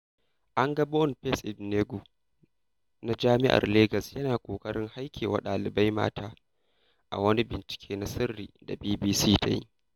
An ga Boniface Igbeneghu na Jami'ar Legas yana ƙoƙarin haikewa ɗalibai mata a wani bincike na sirri da BBC ta yi.